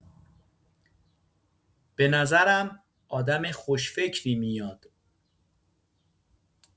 به نظر آدم خوش‌فکری میاد.